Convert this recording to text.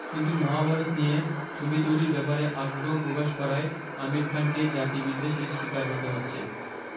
কিন্তু মহাভারত নিয়ে ছবি তৈরির ব্যাপারে আগ্রহ প্রকাশ করায় আমির খানকে জাতিবিদ্বেষের শিকার হতে হচ্ছে